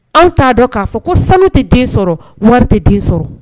An t'a dɔn k'a fɔ ko sanu tɛ den sɔrɔ wari tɛ den sɔrɔ